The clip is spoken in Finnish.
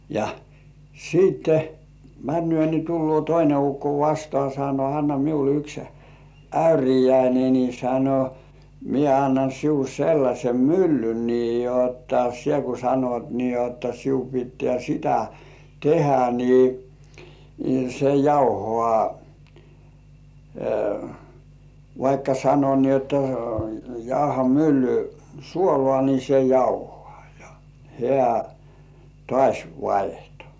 ja sitten menee niin tullee toinen ukko vastaan sanoi anna minulle yksi äyriäinen niin sanoi minä annan sinulle sellaisen myllyn niin jotta sinä kun sanot niin jotta sinun pitää sitä tehdä niin se jauhaa vaikka sanoi niin jotta jauha mylly suolaa niin se jauhaa ja hän taas vaihtoi